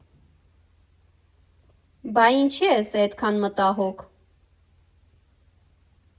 ֊ Բա ինչի՞ ես էդքան մտահոգ։